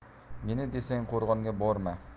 meni desang qo'rg'onga borma